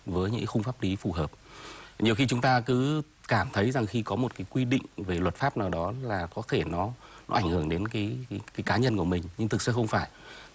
với những khung pháp lí phù hợp nhiều khi chúng ta cứ cảm thấy rằng khi có một cái quy định về luật pháp nào đó là có thể nó nó ảnh hưởng đến cái cái cá nhân của mình nhưng thực sự không phải